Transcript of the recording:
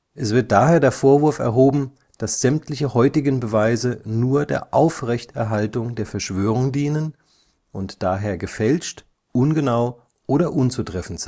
Es wird der Vorwurf erhoben, dass sämtliche heutigen Beweise nur der Aufrechterhaltung der Verschwörung dienen und daher gefälscht, ungenau oder unzutreffend